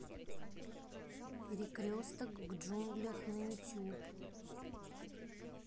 перекресток в джунглях на ютуб